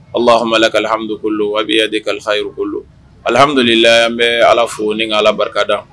Ɔhamalahamdu ko wajibiya de kalifayur alihamdulila bɛ ala fo ni ala barikada